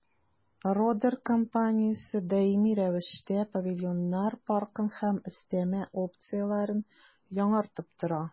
«родер» компаниясе даими рәвештә павильоннар паркын һәм өстәмә опцияләрен яңартып тора.